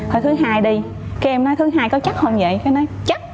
thôi thứ hai đi cái em nói thứ hai có chắc hông dậy cái nói chắc